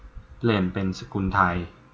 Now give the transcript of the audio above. เปลี่ยนเป็นสกุลไทย